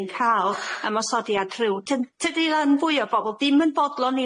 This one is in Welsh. yn ca'l ymosodiad rhyw ty- tydi ran fwy o bobol ddim yn bodlon